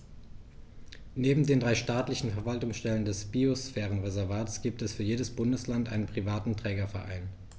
Neben den drei staatlichen Verwaltungsstellen des Biosphärenreservates gibt es für jedes Bundesland einen privaten Trägerverein.